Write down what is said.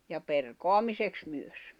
ja perkaamiseksi myös